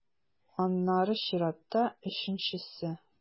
Аннары чиратта - өченчесе.